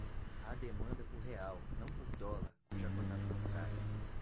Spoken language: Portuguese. há demanda por real não por dólar cuja cotação cai